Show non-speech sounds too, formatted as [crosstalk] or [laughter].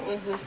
[hesitation] [hesitation]